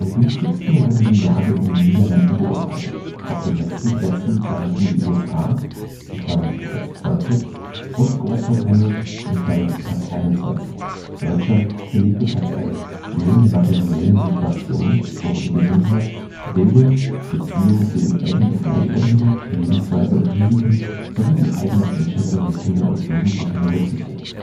günstigsten wurde die Lage in den Niederlanden beurteilt, auf den letzten Plätzen landeten die USA (Platz 20) und Großbritannien (Platz 21). Deutschland belegte Platz 11. Neben der materiellen Situation wurden die Gesundheit, Bildung, Beziehungen zu Eltern und Gleichaltrigen, Lebensweise und Risiken sowie die eigene Einschätzung der Kinder und Jugendlichen berücksichtigt